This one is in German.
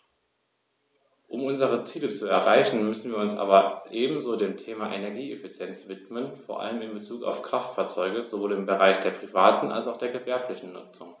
Um unsere Ziele zu erreichen, müssen wir uns aber ebenso dem Thema Energieeffizienz widmen, vor allem in Bezug auf Kraftfahrzeuge - sowohl im Bereich der privaten als auch der gewerblichen Nutzung.